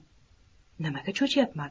nimaga cho'chiyapman